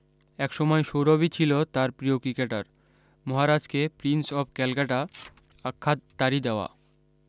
এক সময় সৌরভি ছিল তার প্রিয় ক্রিকেটার মহারাজকে প্রিন্স অব ক্যালকাটা আখ্যা তারি দেওয়া